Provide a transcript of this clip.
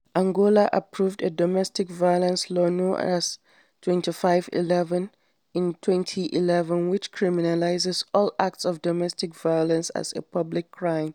Angola approved a domestic violence law known as 25/11 in 2011 which criminalizes all acts of domestic violence as a public crime.